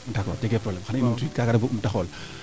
d' accord jegee probleme xaa i numtu wiid kaaga rek bug um te xool